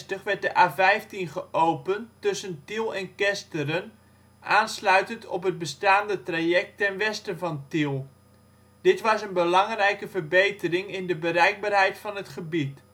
1964 werd de A15 geopend tussen Tiel en Kesteren, aansluitend op het bestaande traject ten westen van Tiel. Dit was een belangrijke verbetering in de bereikbaarheid van het gebied